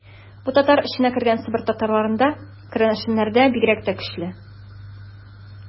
Бу татар эченә кергән Себер татарларында, керәшеннәрдә бигрәк тә көчле.